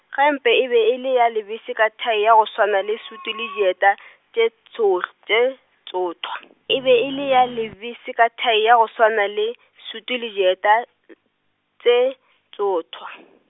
gempe e be e le ya lebese ka thai ya go swana le sutu le dieta tše tšo , tše tšothwa, e be e le ya lebese ka thai ya go swana le, sutu le dieta l-, tše tšothwa.